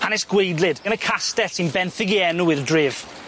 hanes gwaedlyd yn y castell sy'n benthyg 'i enw i'r dref.